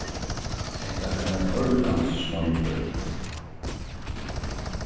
hetta var ein ordans smeitur